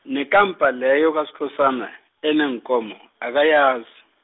nekampa leyo kaSkhosana, eneenkomo, akayaz-.